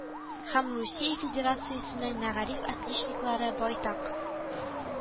Һәм русия федерациясенең мәгариф отличниклары байтак